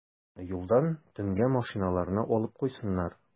Юлдан төнгә машиналарны алып куйсыннар.